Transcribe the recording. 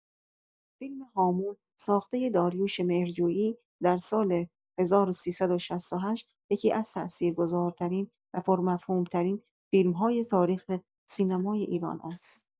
فیلم «هامون» ساختۀ داریوش مهرجویی در سال ۱۳۶۸، یکی‌از تأثیرگذارترین و پرمفهوم‌ترین فیلم‌های تاریخ سینمای ایران است.